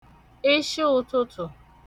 ishiụ̄tụ̄tụ̄